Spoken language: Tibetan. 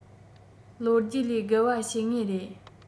ལོ རྒྱུས ལས རྒལ བ བྱེད ངེས རེད